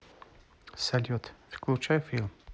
салют выключи фильм